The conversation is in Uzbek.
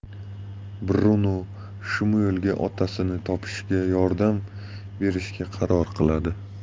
bruno shmuelga otasini topishga yordam berishga qaror qiladi